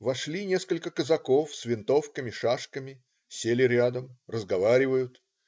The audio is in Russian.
Вошли несколько казаков с винтовками, шашками. Сели рядом. Разговаривают.